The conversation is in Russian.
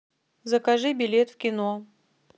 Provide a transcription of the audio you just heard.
закажи билет в кино